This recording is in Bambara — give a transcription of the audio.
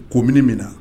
Ko mini minna